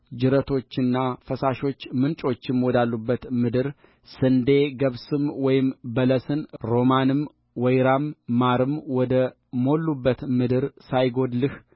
ጅረቶችና ፈሳሾች ምንጮችም ወዳሉባት ምድርስንዴ ገብስም ወይንም በለስም ሮማንም ወይራም ማርም ወደ ሞሉባት ምድርሳይጎድልህ